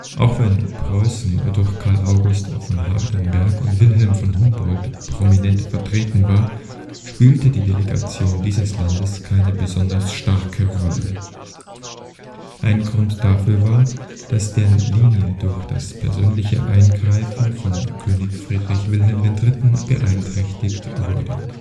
Auch wenn Preußen durch Karl August von Hardenberg und Wilhelm von Humboldt prominent vertreten war, spielte die Delegation dieses Landes keine besonders starke Rolle. Ein Grund dafür war, dass deren Linie durch das persönliche Eingreifen von König Friedrich Wilhelm III. beeinträchtigt wurde